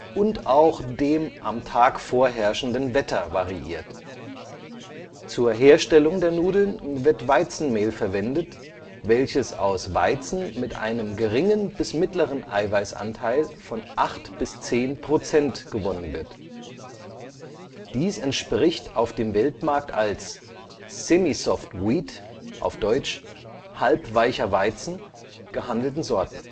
und auch dem am Tag vorherrschenden Wetter variiert. Zur Herstellung der Nudeln wird Weizenmehl verwendet, welches aus Weizen mit einem geringen bis mittleren Eiweißanteil von 8 bis 10 % gewonnen wird. Dies entspricht auf dem Weltmarkt als „ semi-soft wheat “(halb-weicher Weizen) gehandelten Sorten